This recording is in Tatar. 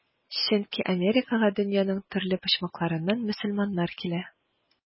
Чөнки Америкага дөньяның төрле почмакларыннан мөселманнар килә.